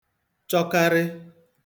chọkarị